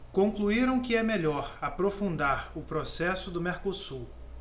concluíram que é melhor aprofundar o processo do mercosul